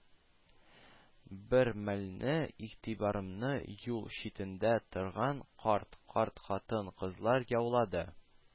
Бер мәлне, игътибарымны юл читендә торган карт-карт хатын-кызлар яулады